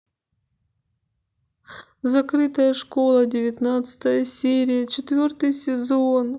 закрытая школа девятнадцатая серия четвертый сезон